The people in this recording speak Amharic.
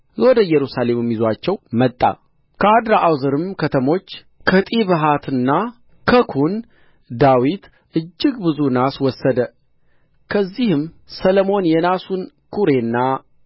ወደ ኢየሩሳሌምም ይዞአቸው መጣ ከአድርአዛርም ከተሞች ከጢብሐትና ከኩን ዳዊት እጅግ ብዙ ናስ ወሰደ ከዚህም ሰሎሞን የናሱን ኵሬና